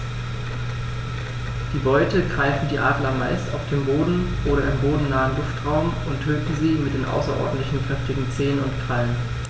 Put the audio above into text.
Die Beute greifen die Adler meist auf dem Boden oder im bodennahen Luftraum und töten sie mit den außerordentlich kräftigen Zehen und Krallen.